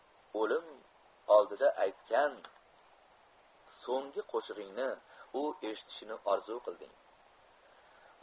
o'lim oldida aytgan so'ngti qo'shig'ingni u eshitishini orzu qilding